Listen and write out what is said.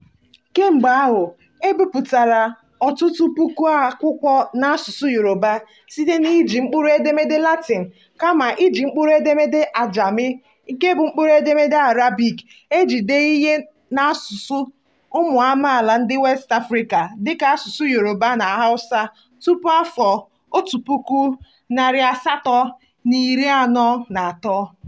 Kemgbe ahụ, e bipụtala ọtụtụ puku akwụkwọ n'asụsụ Yorùbá site na iji mkpụrụedemede Latin kama iji mkpụrụedemede Ajami, nke bụ mkpụrụ edemede Arabic e ji dee ihe n'asụsụ ụmụ amaala ndị West Africa dịka asụsụ Yoruba na Hausa tupu afọ 1843.